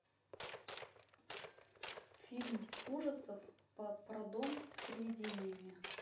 фильм ужасов про дом с привидениями